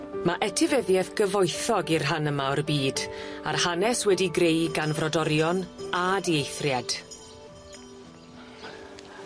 Ma' etifeddieth gyfoethog i'r rhan yma o'r byd a'r hanes wedi'i greu gan frodorion a dieithried.